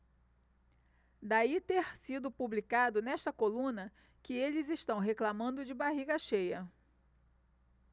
daí ter sido publicado nesta coluna que eles reclamando de barriga cheia